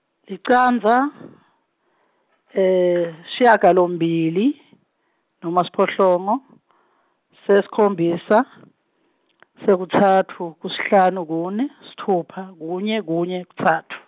licandza , sishiyagalombili, noma siphohlongo, sesikhombisa , sesitsatfu, kusihlanu, kune, sitfupha, kunye, kunye, kutsatfu.